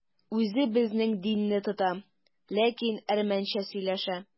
Үзе безнең динне тота, ләкин әрмәнчә сөйләшә.